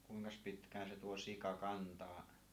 kuinkas pitkään se tuo sika kantaa